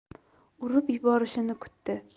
urib yuborishini kutdi